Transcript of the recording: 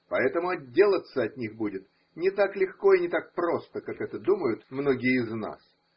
Поэтому отделаться от них будет не так легко и не так просто, как это думают многие из нас.